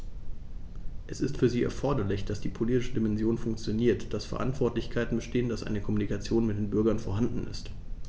Es ist für sie erforderlich, dass die politische Dimension funktioniert, dass Verantwortlichkeiten bestehen, dass eine Kommunikation mit den Bürgern vorhanden ist.